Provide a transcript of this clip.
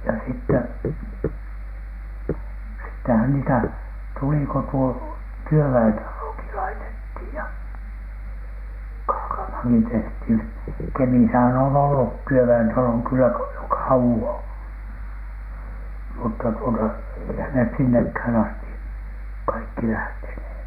ja - sittenhän niitä tuli kun tuo työväentalokin laitettiin ja Kaakamaankin tehtiin Kemissähän on ollut työväentalo kyllä - jo kauan mutta tuota eihän ne sinnekään asti kaikki lähteneet